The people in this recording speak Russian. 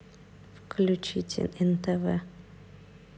включите нтв